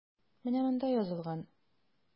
Менә монда язылган.